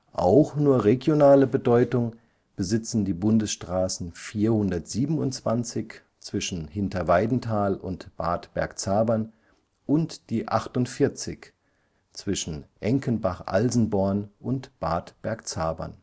Auch nur regionale Bedeutung besitzen die Bundesstraßen 427 (Hinterweidenthal – Bad Bergzabern) und die 48 (Enkenbach-Alsenborn – Bad Bergzabern